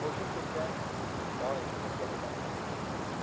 o'sha kecha oy to'lgan edi